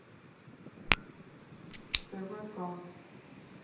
тв к